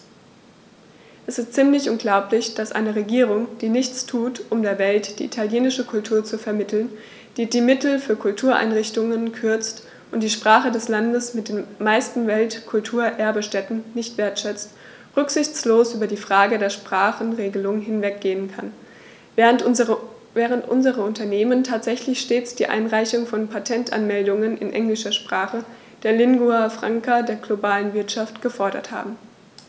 Es ist ziemlich unglaublich, dass eine Regierung, die nichts tut, um der Welt die italienische Kultur zu vermitteln, die die Mittel für Kultureinrichtungen kürzt und die Sprache des Landes mit den meisten Weltkulturerbe-Stätten nicht wertschätzt, rücksichtslos über die Frage der Sprachenregelung hinweggehen kann, während unsere Unternehmen tatsächlich stets die Einreichung von Patentanmeldungen in englischer Sprache, der Lingua Franca der globalen Wirtschaft, gefordert haben.